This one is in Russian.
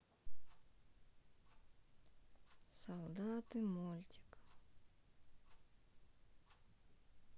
солдаты мультик